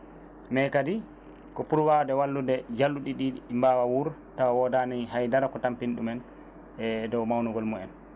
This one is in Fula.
mais kadi pour wawde wallude njalluɗi ɗi ɗi mbawa wurde tawa wodani haydara ko tampini ɗumen e doow mawnugol mumen